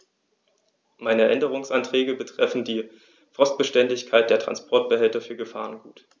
Meine Änderungsanträge betreffen die Frostbeständigkeit der Transportbehälter für Gefahrgut.